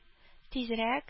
Тизрәк